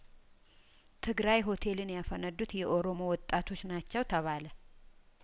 ትግራይ ሆቴልን ያፈነዱት የኦሮሞ ወጣቶች ናቸው ተባለ